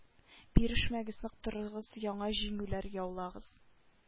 Бирешмәгез нык торыгыз яңа җиңүләр яулагыз